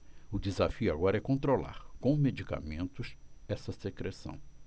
o desafio agora é controlar com medicamentos essa secreção